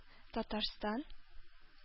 Татарстан